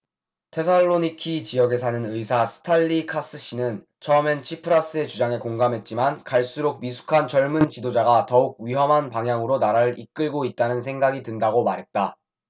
테살로니키 지역에 사는 의사 스탈리카스씨는 처음엔 치프라스의 주장에 공감했지만 갈수록 미숙한 젊은 지도자가 더욱 위험한 방향으로 나라를 이끌고 있다는 생각이 든다고 말했다